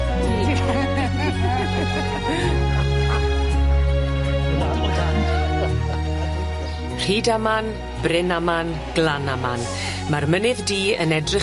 Rhydaman Brynaman Glanaman ma'r mynydd du yn edrych